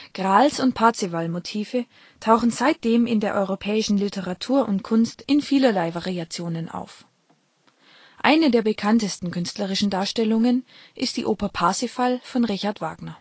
Grals - und Parzivalmotive tauchen seitdem in der europäischen Literatur und Kunst in vielerlei Variationen auf. Eine der bekanntesten künstlerischen Darstellungen ist die Oper Parsifal von Richard Wagner